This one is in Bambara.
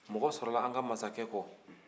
mɔgɔ sɔrɔla an ka masakɛ kɔ